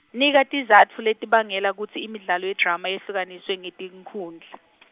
nika tizatfu letibangela kutsi imidlalo yedrama yehlukaniswe ngeti nkhundla .